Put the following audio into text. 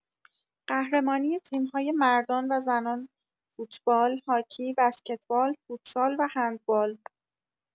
قهرمانی تیم‌های مردان و زنان فوتبال، هاکی، بسکتبال، فوتسال و هندبال!